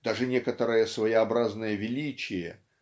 даже некоторое своеобразное величие